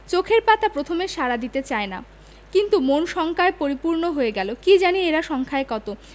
চোখের পাতা প্রথমে সাড়া দিতে চায় না কিন্তু মন শঙ্কায় পরিপূর্ণ হয়ে গেল কি জানি এরা সংখ্যায় কত